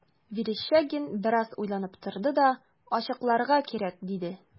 Верещагин бераз уйланып торды да: – Ачыкларга кирәк,– диде.